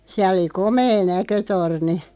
siellä oli komea näkötorni